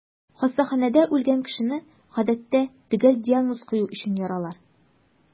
Хастаханәдә үлгән кешене, гадәттә, төгәл диагноз кую өчен яралар.